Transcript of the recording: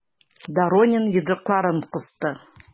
Доронин йодрыкларын кысты.